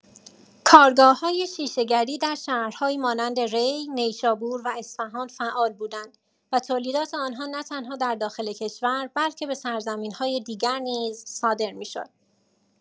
کارگاه‌های شیشه‌گری در شهرهایی مانند ری، نیشابور و اصفهان فعال بودند و تولیدات آنها نه‌تنها در داخل کشور بلکه به سرزمین‌های دیگر نیز صادر می‌شد.